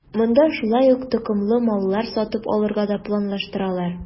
Монда шулай ук токымлы маллар сатып алырга да планлаштыралар.